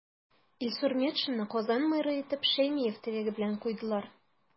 Илсур Метшинны Казан мэры итеп Шәймиев теләге белән куйдылар.